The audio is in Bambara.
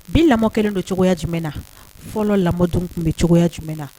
Bi lamɔ kelen don cogoya jumɛn na fɔlɔ lamɔdenw tun bɛ cogoya jumɛn